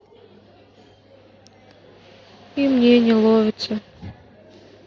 и мне не ловится